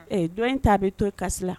Ɛɛ jɔn in t taa bɛ to i kasisi la